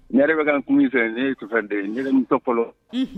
Ne yɛrɛ min bɛ ka kuma i fɛ ne ye chauffeur de ye, ne yɛrɛ muso fɔlɔ, unhun.